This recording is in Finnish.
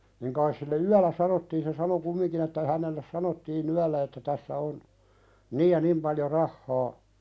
niin kai sille yöllä sanottiin se sano kumminkin että hänelle sanottiin yöllä että tässä on niin ja niin paljon rahaa